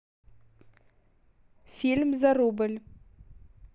фильм за рубль